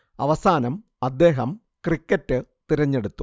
അവസാനം അദ്ദേഹം ക്രിക്കറ്റ് തിരെഞ്ഞെടുത്തു